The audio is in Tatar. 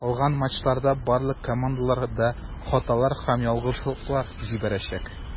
Калган матчларда барлык командалар да хаталар һәм ялгышлыклар җибәрәчәк.